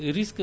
déwén